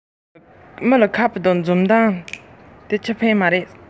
མི ལ སྨ ར དང འཛུམ མདངས ཀྱིས ཅི བྱ